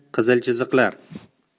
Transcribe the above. qizil chiziqlar